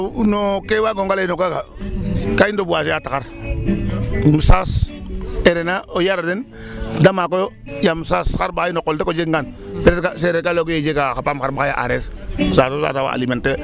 Waaw no ke waagonga lay no kaaga ka reboiser a taxar no saas kene naa o yara den da maakooyo yaam saas xarɓaxay no qol rek o jegangan presque seereer kaa layoogu yee jega xa paam xarɓaxay a aareer kaaga waa alimenter.